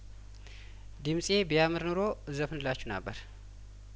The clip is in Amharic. ድምጼ ቢያምር ኖሮ እዘፍንላችሁ ነበር